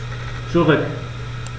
Zurück.